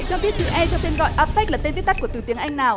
cho biết chữ e trong tên gọi a pếch là tên viết tắt của từ tiếng anh nào